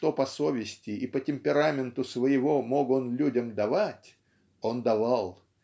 что по совести и по темпераменту своему мог он людям давать он давал